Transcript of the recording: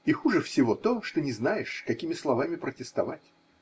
И хуже всего то, что не знаешь, какими словами протестовать.